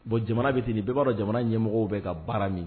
Bon jamana bɛtinin bɛɛ' dɔn jamana ɲɛmɔgɔ bɛ ka baara min